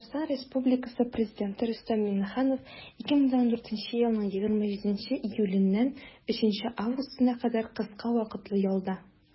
Татарстан Республикасы Президенты Рөстәм Миңнеханов 2014 елның 27 июленнән 3 августына кадәр кыска вакытлы ялда.